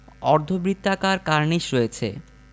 অর্ধবৃত্তাকার কার্নিস রয়েছে